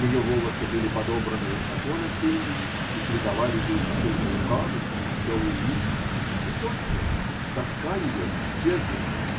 Ее волосы были подобраны высоко на темени и придавали ей какой-то лукавый и веселый вид. И точно, тоска ее исчезла.